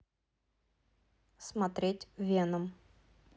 смотреть веном